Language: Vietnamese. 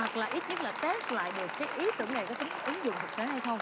hoặc là ít nhất là tét lại được cái ý tưởng này có tính ứng dụng thực tế hay không